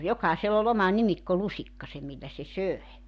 jokaisella oli oma nimikkolusikkansa millä se söi